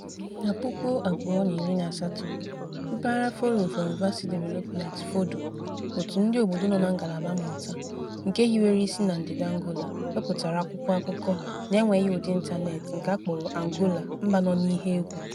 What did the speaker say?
Na 2018, Mpaghara Forum for University Development (FORDU), òtù ndịobodo nọ na ngalaba mmụta nke hiwere isi na ndịda Angola, wepụtara akwụkwọ akụkọ (n'enweghị ụdị ịntaneetị) nke a kpọrọ “Angola, mba nọ n'ihe egwu”.